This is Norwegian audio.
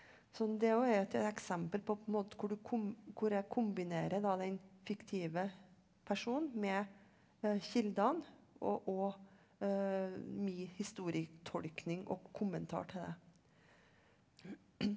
så det òg er et eksempel på på en måte hvor du hvor jeg kombinerer da den fiktive personen med kildene og òg min historietolkning og kommentar til det .